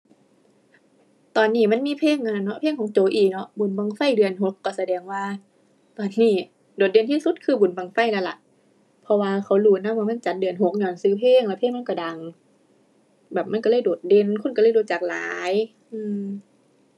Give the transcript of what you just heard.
ตอนนี้มันมีเพลงอันนั้นเนาะ เพลงของโจอี้เนาะ บุญบั้งไฟเดือนหก ก็แสดงว่าประเพณีโดดเด่นที่สุดคือบุญบั้งไฟนั่นล่ะ เพราะว่าเขารู้นำว่ามันจัดเดือนหกญ้อนก็เพลง แล้วเพลงมันก็ดัง แบบมันก็เลยโดดเด่น คนก็เลยรู้จักหลาย อือ